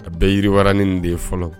A bɛ yiriwa ni de ye fɔlɔ.